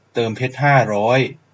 เติมเพชรห้าร้อย